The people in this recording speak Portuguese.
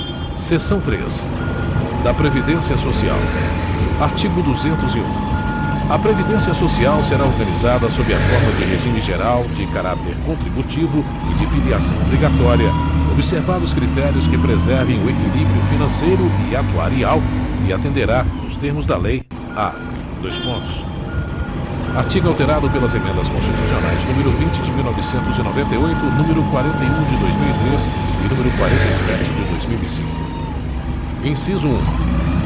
seção três da previdência social artigo duzentos e um a previdência social será organizada sob a forma de regime geral de caráter contributivo e de filiação obrigatória observados critérios que preservem o equilíbrio financeiro e atuarial e atenderá nos termos da lei a dois pontos artigo alterado pelas emendas constitucionais número vinte de mil e novecentos e noventa e oito número quarenta e um de dois mil e três e número quarenta e sete de dois mil e cinco inciso um